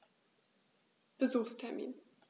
Besuchstermin